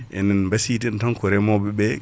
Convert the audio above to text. enen basiyɗen tan ko reemoɓeɓe